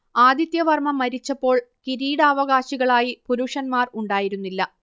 ആദിത്യവർമ്മ മരിച്ചപ്പോൾ കിരീടാവകാശികളായി പുരുഷന്മാർ ഉണ്ടായിരുന്നില്ല